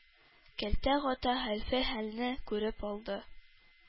Кәлтә Гата хәлфә хәлне күреп алды.